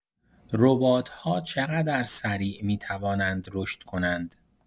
ربات‌ها چقدر سریع می‌توانند رشد کنند؟